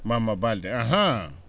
Mamma Balde ahan